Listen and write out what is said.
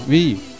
oui